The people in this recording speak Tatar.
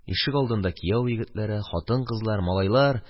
Ишегалдында кияү егетләре, хатын-кызлар, малайлар